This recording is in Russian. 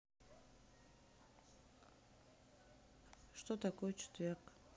что такое четверг